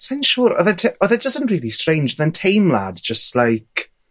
'Sai'n siŵr odd e ty- odd e jys yn rili strange odd e'n teimlad jyst like